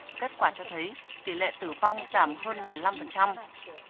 kết quả cho thấy tỷ lệ tử vong giảm hơn mười lăm phần trăm